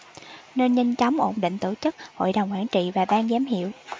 nên nhanh chóng ổn định tổ chức hội đồng quản trị và ban giám hiệu